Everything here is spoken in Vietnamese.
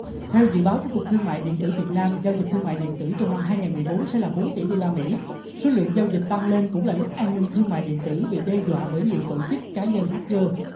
theo dự báo của cục thương mại điện tử việt nam giao dịch thương mại điện tử trong năm hai ngàn mười bốn sẽ là bốn tỷ đô la mỹ số lượng giao dịch tăng lên cũng là lúc an ninh thương mại điện tử bị đe dọa bởi nhiều tổ chức cá nhân hách cơ